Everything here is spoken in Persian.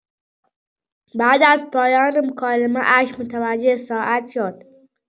بعد از پایان مکالمه‌اش متوجه ساعت شد.